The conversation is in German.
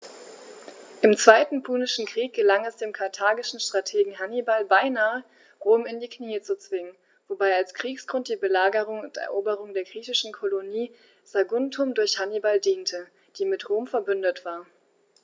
Im Zweiten Punischen Krieg gelang es dem karthagischen Strategen Hannibal beinahe, Rom in die Knie zu zwingen, wobei als Kriegsgrund die Belagerung und Eroberung der griechischen Kolonie Saguntum durch Hannibal diente, die mit Rom „verbündet“ war.